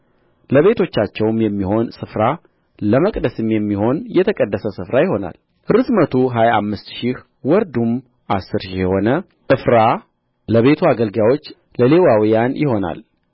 ለቤቶቻቸውም የሚሆን ስፍራ ለመቅደስም የሚሆን የተቀደሰ ስፍራ ይሆናል ርዝመቱም ሀያ አምስት ሺህ ወርዱም አሥር ሺህ የሆነ ዕፍራ ለቤቱ አገልጋዮች ለሌዋውያን ይሆናል